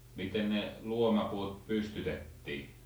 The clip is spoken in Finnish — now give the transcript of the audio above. miten ne luomapuut pystytettiin